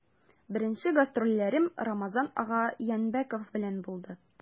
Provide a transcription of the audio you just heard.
Беренче гастрольләрем Рамазан ага Янбәков белән булды.